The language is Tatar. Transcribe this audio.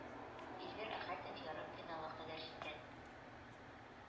Эльвир Әхәтов ярымфиналга кадәр җиткән